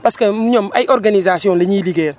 parce que ñoom ay organisations la ñuy liggéeyal